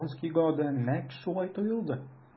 Вронскийга да нәкъ шулай тоелды.